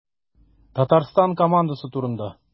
Татарстан командасы турында.